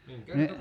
niin